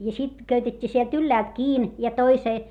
ja sitten köytettiin sieltä ylhäältä kiinni ja toiseen